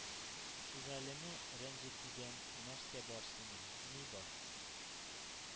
Шүрәлене рәнҗетүдән нәрсә бар сиңа, ни бар?